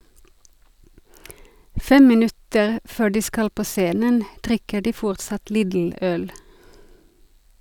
Fem minutter før de skal på scenen drikker de fortsatt Lidl-øl.